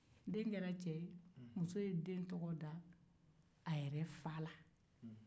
den kɛra cɛ ye muso ye den tɔgɔ da a yɛrɛ fa la